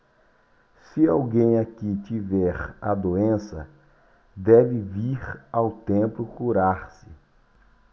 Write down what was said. se alguém aqui tiver a doença deve vir ao templo curar-se